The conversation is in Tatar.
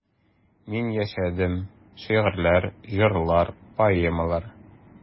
Мин яшәдем: шигырьләр, җырлар, поэмалар.